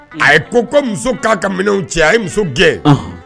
A ye koko muso k'a ka minɛnw cɛ a ye muso gɛn